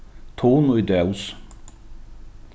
tun í dós